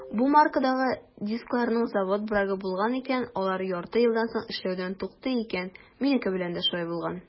Бу маркадагы дискларның завод брагы булган икән - алар ярты елдан соң эшләүдән туктый икән; минеке белән дә шулай булган.